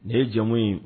Nin ye jamu ye